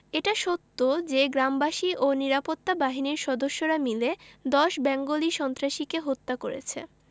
এটা সত্য যে গ্রামবাসী ও নিরাপত্তা বাহিনীর সদস্যরা মিলে ১০ বেঙ্গলি সন্ত্রাসীকে হত্যা করেছে